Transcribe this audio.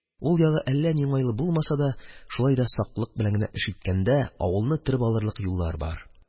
Ул ягы әллә ни уңайлы булмаса да, шулай да, саклык белән эш иткәндә, авылны төреп алырлык юллар бар.